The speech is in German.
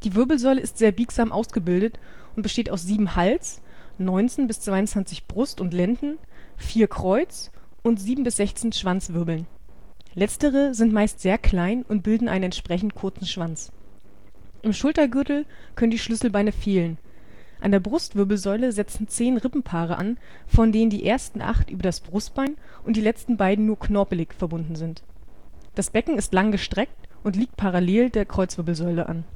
Wirbelsäule ist sehr biegsam ausgebildet und besteht aus 7 Hals -, 19 bis 22 Brust - und Lenden -, 4 Kreuz - und 7 bis 16 Schwanzwirbeln. Letztere sind meist sehr klein und bilden einen entsprechend kurzen Schwanz. Im Schultergürtel können die Schlüsselbeine fehlen. An der Brustwirbelsäule setzen zehn Rippenpaare an, von denen die ersten acht über das Brustbein und die letzten beiden nur knorpelig verbunden sind. Das Becken ist lang gestreckt und liegt parallel der Kreuzwirbelsäule an